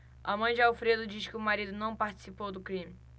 a mãe de alfredo diz que o marido não participou do crime